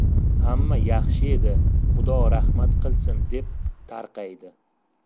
hamma yaxshi edi xudo rahmat qilsin deb tarqaydi